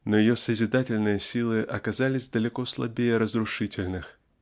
но ее созидательные силы оказались далеко слабее разрушительных.